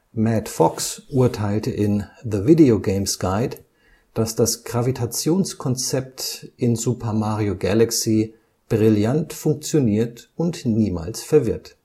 Matt Fox urteilte in The Video Games Guide, dass das Gravitationskonzeptes in Super Mario Galaxy „ brillant funktioniert und niemals verwirrt